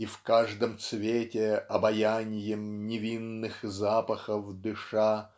-- И в каждом цвете обаяньем Невинных запахов дыша